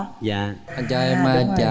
dạ anh